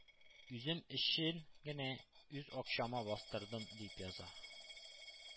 Үзем өчен генә, үз акчама бастырдым дип яза.